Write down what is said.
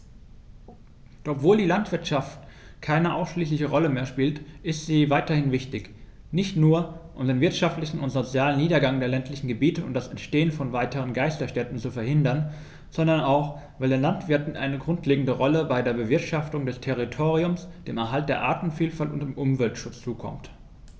Doch obwohl die Landwirtschaft keine ausschließliche Rolle mehr spielt, ist sie weiterhin wichtig, nicht nur, um den wirtschaftlichen und sozialen Niedergang der ländlichen Gebiete und das Entstehen von weiteren Geisterstädten zu verhindern, sondern auch, weil den Landwirten eine grundlegende Rolle bei der Bewirtschaftung des Territoriums, dem Erhalt der Artenvielfalt und dem Umweltschutz zukommt.